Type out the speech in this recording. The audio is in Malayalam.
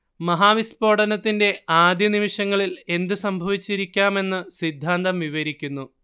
മഹാവിസ്ഫോടനത്തിന്റെ ആദ്യനിമിഷങ്ങളിൽ എന്തു സംഭവിച്ചിരിയ്ക്കാമെന്നു സിദ്ധാന്തം വിവരിയ്ക്കുന്നു